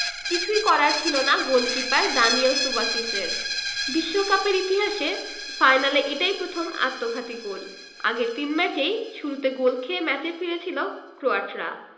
কিছুই করার ছিল না গোলকিপার দানিয়েল সুবাসিচের বিশ্বকাপের ইতিহাসে ফাইনালে এটাই প্রথম আত্মঘাতী গোল আগের তিন ম্যাচেই শুরুতে গোল খেয়ে ম্যাচে ফিরেছিল ক্রোয়াটরা